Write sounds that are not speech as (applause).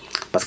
(hesitation) (hesitation)